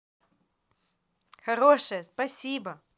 хорошая спасибо